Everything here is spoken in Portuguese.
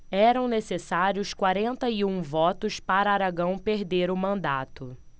eram necessários quarenta e um votos para aragão perder o mandato